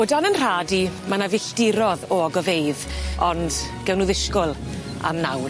O dan 'yn nrhad i, ma' 'na filltirodd o ogofeydd ond gewn nw ddishgwl am nawr.